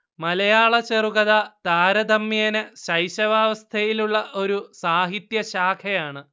മലയാള ചെറുകഥ താരതമ്യേന ശൈശവാവസ്ഥയിലുള്ള ഒരു സാഹിത്യശാഖയാണ്